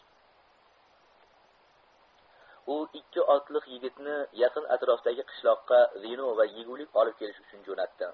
u ikki otliq yigitni yaqin atrofdagi qishloqqa vino va yegulik olib kelish uchun jo'natdi